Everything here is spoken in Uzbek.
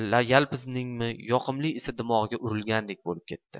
yalpizningmi yoqimli isi dimog'iga urilgandek bo'lib ketdi